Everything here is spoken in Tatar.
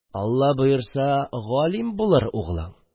Алла боерса, галим булыр углың.